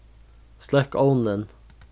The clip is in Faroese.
sløkk ovnin